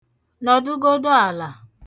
Nọdụ gọdụ ala.